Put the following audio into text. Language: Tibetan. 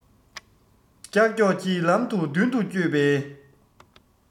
ཀྱག ཀྱོག གི ལམ དུ མདུན དུ བསྐྱོད པའི